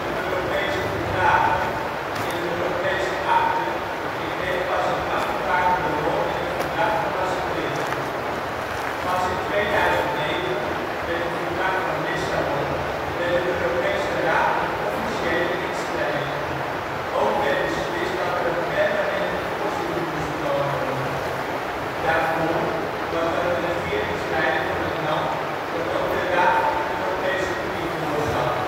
de Europese verdragen (in de Europese Akte) en kreeg pas een afgebakende rol in het Verdrag van Maastricht. Pas in 2009, met het Verdrag van Lissabon werd de Europese Raad een officiële instelling. Ook werd beslist dat er een permanente voorzitter moest komen. Daarvoor was dat de regeringsleider van het land dat ook de Raad van de Europese Unie voorzat